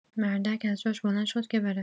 مردک از جاش بلند شد که بره